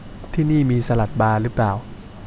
ที่นี่มีสลัดบาร์หรือเปล่า